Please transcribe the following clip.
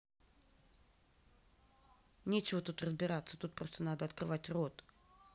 нечего тут разбирается тут просто надо открывать рот